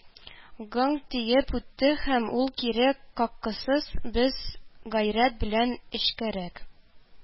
Гың тиеп үтте, һәм ул кире каккысыз бер гайрәт белән эчкәрәк